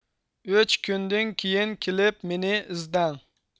ئۈچ كۈندىن كېيىن كېلىپ مېنى ئىزدەڭ